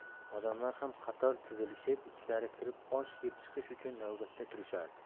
odamlar ham qator tizilishib ichkari kirib osh yeb chiqish uchun navbatda turishardi